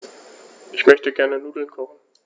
Ich möchte gerne Nudeln kochen.